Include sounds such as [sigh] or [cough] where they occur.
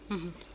[hesitation] [hesitation]